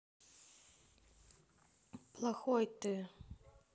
плохой ты